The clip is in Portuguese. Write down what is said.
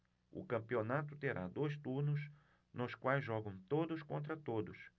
o campeonato terá dois turnos nos quais jogam todos contra todos